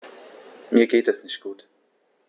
Mir geht es nicht gut.